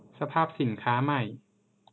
สภาพสินค้าสินค้าใหม่